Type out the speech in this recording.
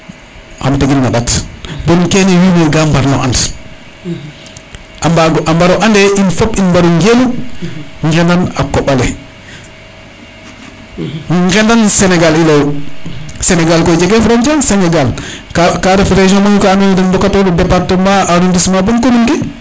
xam tegin na ndat bon kene wiin we ga mbarno and a mbago a mbaro ande in fop in mbaru ngenu ngenan a koɓale ngenan Senegal i leyu senegal koy jege frontiere senegal ka ref region mayu ka ando naye den mbaka toru departement arrondissement bon commune ke